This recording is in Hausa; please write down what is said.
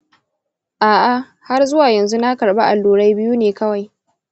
a'a, har zuwa yanzu na karɓi allurai biyu ne kawai.